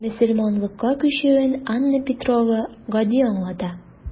Мөселманлыкка күчүен Анна Петрова гади аңлата.